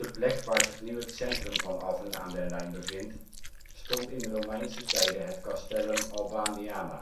plek waar zich nu het centrum van Alphen aan den Rijn bevindt stond in Romeinse tijden het castellum Albanianae